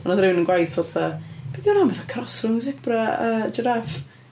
Wnaeth rywun yn gwaith fod fatha "be 'di hwnna'n fatha cross rhwng sebra a jiráff?"